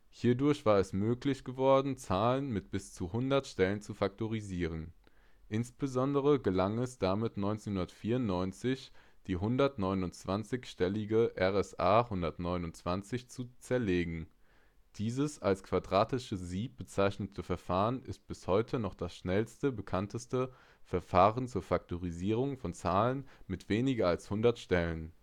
Hierdurch war es möglich geworden, Zahlen mit bis zu 100 Stellen zu faktorisieren; insbesondere gelang es damit 1994, die 129-stellige Zahl RSA-129 zu zerlegen. Dieses als Quadratisches Sieb bezeichnete Verfahren ist heute noch das schnellste bekannte Verfahren zur Faktorisierung von Zahlen mit weniger als 100 Stellen